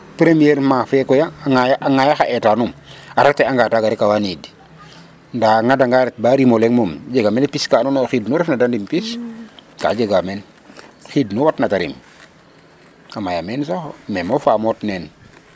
Premierement fe fe koy a ŋaayax a eetaanum a rater anga kaga rek na niidna a ŋadanga ret ba rim o leŋ mom jega mene pis ka andoona yee o xiid olu ref na da ɗim pis .Ka jegaa meen xiid nu watna te rim a maya meen sax meme o faam o neen.